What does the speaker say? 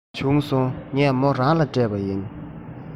བྱུང སོང ངས མོ རང ལ སྤྲད པ ཡིན